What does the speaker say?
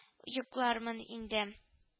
Йоклармын инде